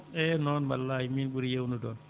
eeyi noon wallay miin ɓuri yewnude on